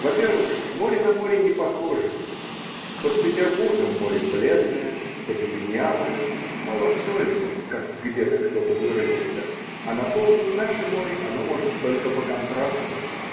Во-первых, море на море не похоже: под Петербургом море бледное, подлинялое, "малосольное", как где-то кто-то выразился, и напомнить наше море оно может только по контрасту